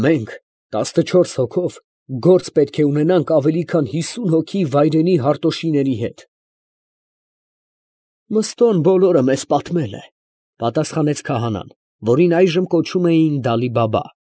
Մենք տասնչորս հոգով գործ պետք է ունենանք ավելի քան հիսուն հոգի վայրենի Հարտոշիների հետ։ ֊ Մըստոն բոլորը պատմել է մեզ, ֊ պատասխանեց քահանան, որին այժմ կոչում էին Դալի֊Բաբա։ ֊